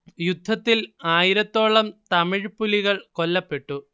യുദ്ധത്തിൽ ആയിരത്തോളം തമിഴ് പുലികൾ കൊല്ലപ്പെട്ടു